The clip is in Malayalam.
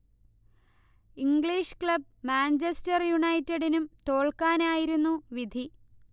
ഇംഗ്ളീഷ് ക്ളബ്ബ് മാഞ്ചസ്റ്റർ യുണൈറ്റഡിനും തോൽക്കാനായിരുന്നു വിധി